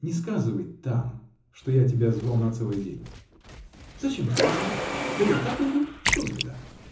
Не сказывай там, что я тебя звал на целый день. -- Зачем сказывать? Да я так уйду! Что за беда!